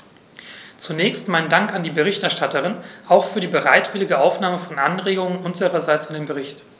Zunächst meinen Dank an die Berichterstatterin, auch für die bereitwillige Aufnahme von Anregungen unsererseits in den Bericht.